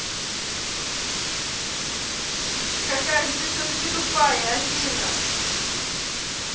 какая же ты все таки тупая афина